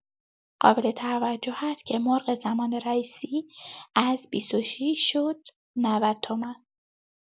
قابل‌توجه‌ات که مرغ زمان رئیسی از ۲۶ شد ۹۰ تومن